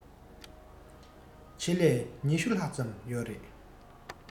ཆེད ལས ༢༠ ལྷག ཙམ ཡོད རེད